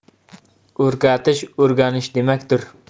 o'rgatish o'rganish demakdir